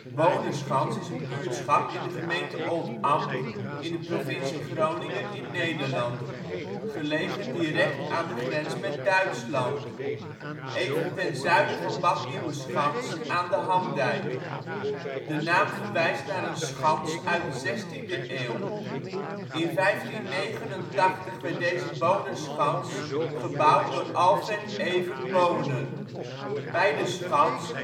Booneschans is een buurtschap in de gemeente Oldambt (provincie Groningen, Nederland), gelegen direct aan de grens met Duitsland. Even ten zuiden van Bad Nieuweschans aan de Hamdijk. De naam verwijst naar een schans uit de zestiende eeuw. In 1589 werd deze Booneschans gebouwd door Alfred Evert Bonen. Bij de schans